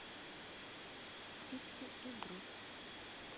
пикси и брут